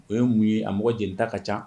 O ye mun ye . A mɔgɔ jeni ta ka ca.